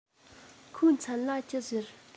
ཁོའི མཚན ལ ཅི ཟེར